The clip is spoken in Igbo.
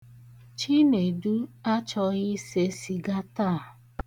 Chinedu achọghị ise sịga taa.